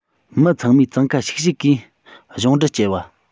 མི ཚང མས འཚང ག ཤིག ཤིག གིས གཞུང འབྲུ སྐྱེལ བ